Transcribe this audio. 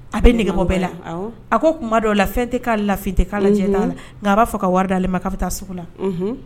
A bɛ nɛgɛ bɛɛ la a ko kuma dɔw la fɛn tɛ' lafifin tɛ k'jɛ nka a b'a fɔ ka wari d'ale ma k'a bɛ taa sugu la